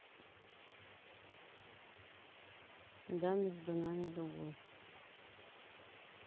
да между нами любовь